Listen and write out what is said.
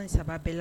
Fɛn 3 bɛɛ la